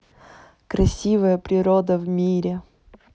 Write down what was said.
красивая природа в мире